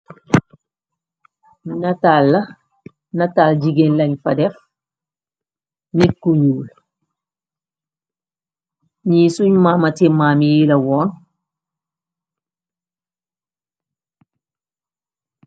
Netal la netal jigéen leñ fa def nitt ku nuul ñi suñ mamatimaami la woon.